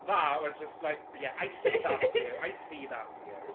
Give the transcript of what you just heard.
That was just like, yeah, I see that for you, I see that for you.